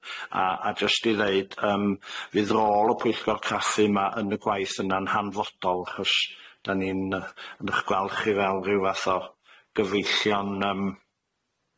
A a jyst i ddeud yym fydd rôl y pwyllgor caffu 'ma yn y gwaith yna'n hanfodol 'chos da ni'n yy yn 'ych gweld chi fel ryw fath o gyfeillion yym...